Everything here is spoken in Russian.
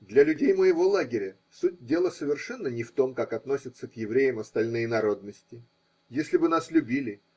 Для людей моего лагеря суть дела совершенно не в том, как относятся к евреям остальные народности. Если бы нас любили.